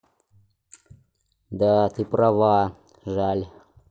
да ты права жаль